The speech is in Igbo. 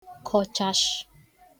kọchashị̄